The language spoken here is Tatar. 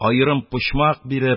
Аерым почмак биреп,